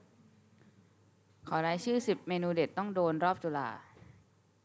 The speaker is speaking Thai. ขอรายชื่อสิบเมนูเด็ดต้องโดนรอบจุฬา